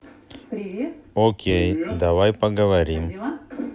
ок давай поговорим